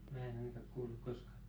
minä en ainakaan ole kuullut koskaan